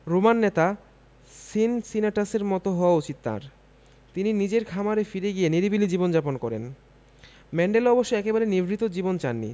Roman নেতা সিনসিনাটাসের মতো হওয়া উচিত তাঁর যিনি নিজের খামারে ফিরে গিয়ে নিরিবিলি জীবন যাপন করেন ম্যান্ডেলা অবশ্য একেবারে নিভৃত জীবন চাননি